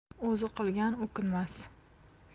o'zi qilgan o'kinmas